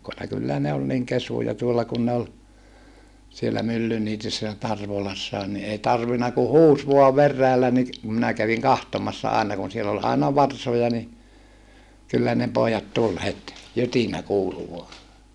kyllä ne oli niin kesyjä tuolla kun ne oli siellä Myllyniityssä ja Tarvolassakin niin ei tarvinnut kuin huusi vain veräjällä niin kun minä kävin katsomassa aina kun siellä oli aina varsoja niin kyllä ne pojat tuli heti jytinä kuului vain